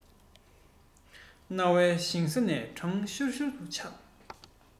སྣང བའི ཞིང ས ནས གྲང ཤུར ཤུར དུ ཆག